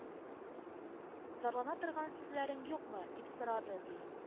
Зарлана торган сүзләрең юкмы? — дип сорады, ди.